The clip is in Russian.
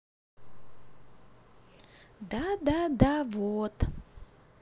да да да вот